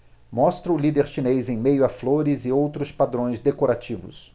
mostra o líder chinês em meio a flores e outros padrões decorativos